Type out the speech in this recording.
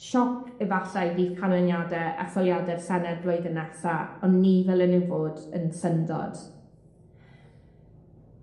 Sioc efallai fydd canlyniade etholiade'r Senedd blwyddyn nesa, on' ni ddylen nw fod yn syndod.